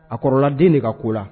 A kɔrɔla den de ka ko la